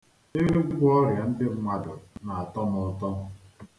Ịgwọ ọrịa ndị mmadụ na-atọ m ụtọ.